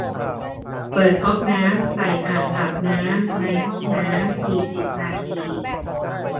เปิดก๊อกน้ำใส่อ่างอาบน้ำในห้องน้ำอีกสิบนาที